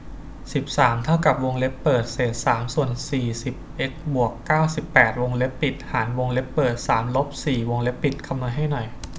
สิบสามเท่ากับวงเล็บเปิดเศษสามส่วนสี่สิบเอ็กซ์บวกเก้าสิบแปดวงเล็บปิดหารวงเล็บเปิดสามลบสี่วงเล็บปิดคำนวณให้หน่อย